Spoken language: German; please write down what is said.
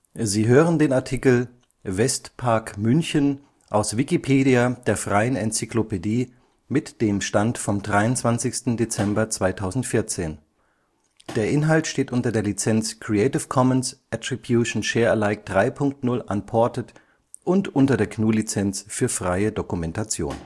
Sie hören den Artikel Westpark (München), aus Wikipedia, der freien Enzyklopädie. Mit dem Stand vom Der Inhalt steht unter der Lizenz Creative Commons Attribution Share Alike 3 Punkt 0 Unported und unter der GNU Lizenz für freie Dokumentation